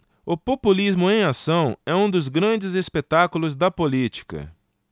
o populismo em ação é um dos grandes espetáculos da política